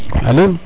alo